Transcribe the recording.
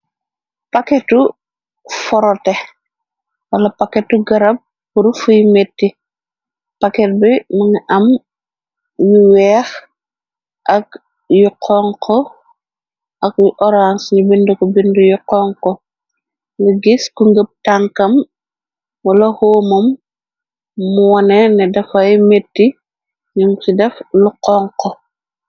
Paketu forote, wala paketu garab pur fuy mitti, paket bi mingi am yu weex ak yu xonko ak yu orange, nu binde ko binde yu xonxu, yu gis ku ngëb tankam, wala hoomam mu wane ne dafay mitti, ñëm ci def lu xonxu.